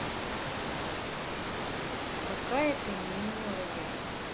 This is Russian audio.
какая ты милая